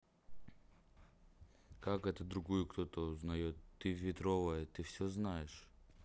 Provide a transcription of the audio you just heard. как это другую кто то узнает ты ветрова ты все знаешь